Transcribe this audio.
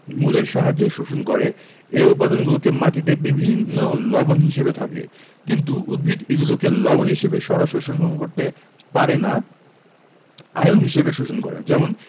মূলের সাহায্যে শোষণ করে এ উপাদানগুলো মাটিতে বিভিন্ন লবণ হিসেবে থাকে কিন্তু উদ্ভিদ এগুলোকে লবণ হিসেবে সরাসরি শোষণ করতে পারে না আয়ন হিসেবে শোষণ করে যেমন